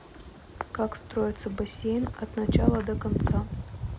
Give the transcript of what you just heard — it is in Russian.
как строиться бассейн от начала до конца